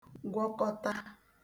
gwọkọta